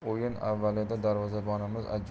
o'yin avvalida darvozabonimiz